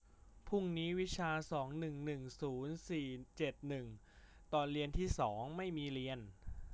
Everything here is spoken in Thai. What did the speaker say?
พรุ่งนี้วิชาสองหนึ่งหนึ่งศูนย์สี่เจ็ดหนึ่งตอนเรียนที่สองไม่มีเรียน